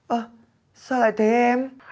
ơ sao lại thế em